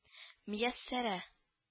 —мияссәрә